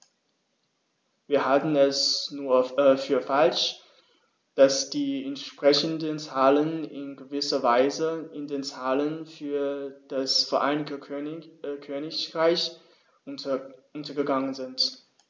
Wir halten es für falsch, dass die entsprechenden Zahlen in gewisser Weise in den Zahlen für das Vereinigte Königreich untergegangen sind.